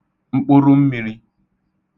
mkpụrụmmīrī